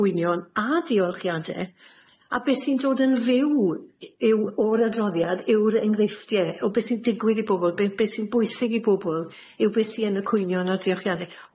gwynion a diolchiade a be' sy'n dod yn fyw i- yw o'r adroddiad yw'r engreifftie o be' sy'n digwydd i bobol be' be' sy'n bwysig i bobol yw be' sy yn y cwynion a diolchiade,